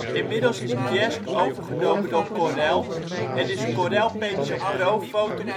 Inmiddels is Jasc overgenomen door Corel, en is Corel Paint Shop Pro PHOTO